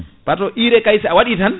par ce IRE kayi sa waɗi tan